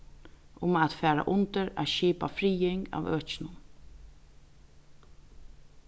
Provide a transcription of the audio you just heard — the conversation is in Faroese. um at fara undir at skipa friðing av økinum